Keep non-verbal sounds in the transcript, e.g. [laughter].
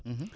[hesitation] [hesitation]